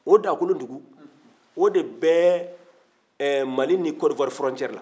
o daakolondugu o de bɛ ɛɛ mali ni kɔnɔwari fɔrɔtiyɛri la